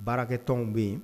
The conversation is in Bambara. Baarakɛ tɔnw bɛ yen